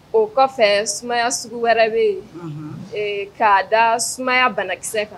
O kɔfɛ sumaya sugu wɛrɛ bɛ yen kaa da sumaya banakisɛ kan